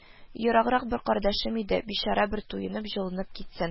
– ераграк бер кардәшем иде, бичара бер туенып, җылынып китсен